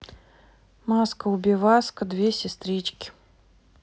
маска убиваска две сестрички